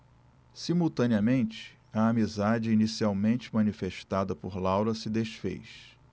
simultaneamente a amizade inicialmente manifestada por laura se disfez